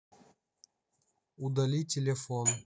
удали телефон